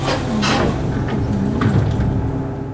Шунда ук ике звено юнәтелде.